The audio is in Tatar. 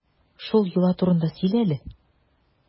Шул йола турында сөйлә әле.